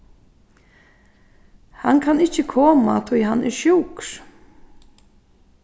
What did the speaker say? hann kann ikki koma tí hann er sjúkur